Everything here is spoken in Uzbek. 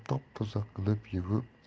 top toza qilib yuvib